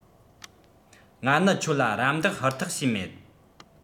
ང ནི ཁྱོད ལ རམ འདེགས ཧུར ཐག བྱས མེད